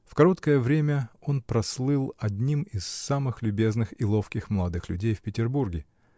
В короткое время он прослыл одним из самых любезных и ловких молодых людей в Петербурге.